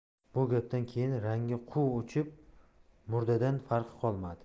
bu gapdan keyin rangi quv o'chib murdadan farqi qolmadi